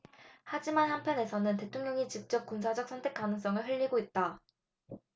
하지만 한편에서는 대통령이 직접 군사적 선택 가능성을 흘리고 있다